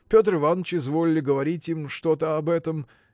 Петр Иваныч изволили говорить им что-то об этом